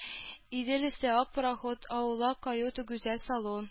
Идел өсте, ак пароход, аулак каюта, гүзәл салон